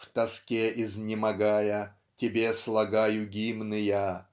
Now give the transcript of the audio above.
в тоске изнемогая, Тебе слагаю гимны я.